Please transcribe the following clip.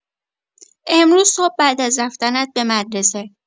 امروز صبح بعد از رفتنت به مدرسه.